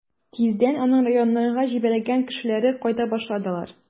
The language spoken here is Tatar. Тиздән аның районнарга җибәргән кешеләре кайта башладылар.